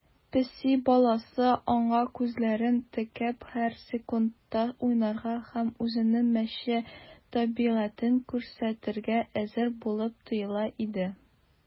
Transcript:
Песи баласы, аңа күзләрен текәп, һәр секундта уйнарга һәм үзенең мәче табигатен күрсәтергә әзер булып тоела иде.